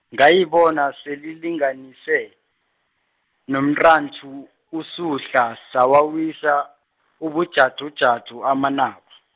ngayibona selilinganise, nomntanthu uSuhla sawawisa, ubujadujadu amanaba.